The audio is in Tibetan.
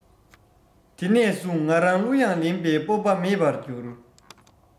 དེ ནས བཟུང ང རང གླུ དབྱངས ལེན པའི སྤོབས པ མེད པར གྱུར